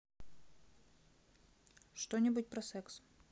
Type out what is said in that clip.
что нибудь про секс